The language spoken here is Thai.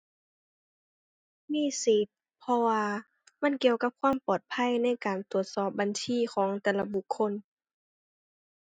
มีสิทธิ์ เพราะว่ามันเกี่ยวกับความปลอดภัยในการตรวจสอบบัญชีของแต่ละบุคคล